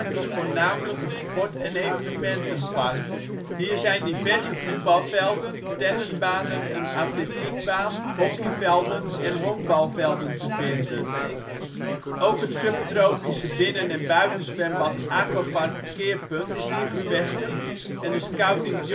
is voornamelijk een sport - en evenementenpark. Hier zijn diverse voetbalvelden, tennisbanen, een atletiekbaan, hockeyvelden en honkbalvelden te vinden. Ook het subtropische binnen - en buitenzwembad Aquapark ' t Keerpunt is hier gevestigd en de scouting